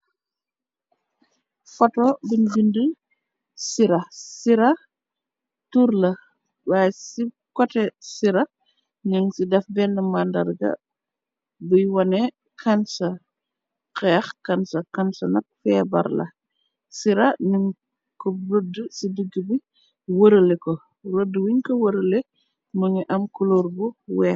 Foto buñ bindi sira, sira tur la waaye ci koteh sira ñëng ci daf benn màndarga bi wane cancer. kheeh cancer, caner nak feebar la. sira nun ko budd ci digg bi wërale ko rodd yu ngi ko wërale mu ngi am kulóor bu weeh.